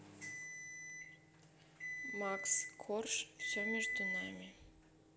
макс корж все между нами